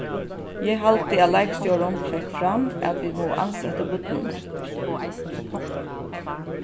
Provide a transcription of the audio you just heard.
eg haldi at leikstjórin fekk fram at vit mugu ansa eftir børnunum